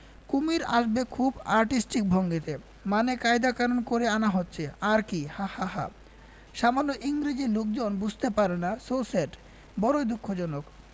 কুমীর আসবে খুব আর্টিস্টিক ভঙ্গিতে মানে কায়দা কানুন করে আনা হচ্ছে আর কি হা হা হা সামান্য ইংরেজী লোকজন বুঝতে পারে না সো সেড. বড়ই দুঃখজনক